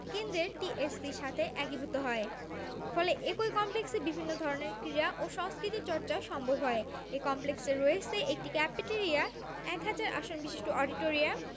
কেন্দ্রের টিএসসি সাথে একীভূত হয় ফলে একই কমপ্লেক্সে বিভিন্ন ধরনের ক্রীড়া ও সংস্কৃতি চর্চা সম্ভব হয় এ কমপ্লেক্সে রয়েছে একটি ক্যাফেটরিয়া এক হাজার আসনবিশিষ্ট অডিটোরিয়াম